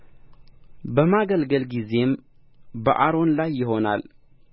በማገልገል ጊዜም በአሮን ላይ ይሆናል